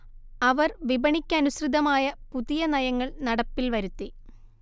അവർ വിപണിക്കനുസൃതമായ പുതിയ നയങ്ങൾ നടപ്പിൽ വരുത്തി